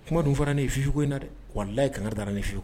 Kuma dun fɔla ne ye Fifi ko in na dɛ, wallahi kankari da la ne ye .